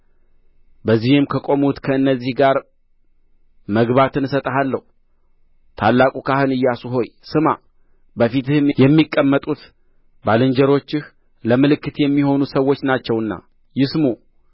በዚህም ከቆሙት ከእነዚህ ጋር መግባትን እሰጣለሁ ታላቁ ካህን ኢያሱ ሆይ ስማ በፊትህም የሚቀመጡት ባልንጀሮችህ ለምልክት የሚሆኑ ሰዎች ናቸውና ይስሙ